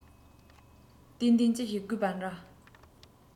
གཏན གཏན ཅི ཞིག བརྐུས པ འདྲ